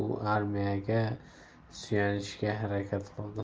armiyaga suyanishga harakat qildi